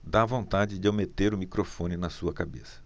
dá vontade de eu meter o microfone na sua cabeça